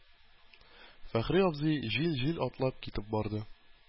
Фәхри абзый җил-җил атлап китеп барды.